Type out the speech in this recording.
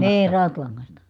niin rautalangasta